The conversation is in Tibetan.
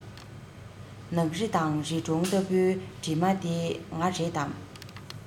ནགས རི དང རི གྲོང ལྟ བུའི གྲིབ མ དེ ང རེད དམ